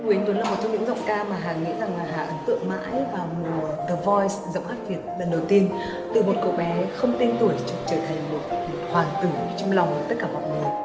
bùi anh tuấn là một trong những giọng ca mà hà nghĩ rằng là hà ấn tượng mãi vào mùa đờ voi giọng hát việt lần đầu tiên từ một cậu bé không tên tuổi trở thành một hoàng tử trong lòng tất cả mọi người